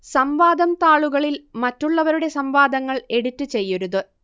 സംവാദം താളുകളിൽ മറ്റുള്ളവരുടെ സംവാദങ്ങൾ എഡിറ്റ് ചെയ്യരുത്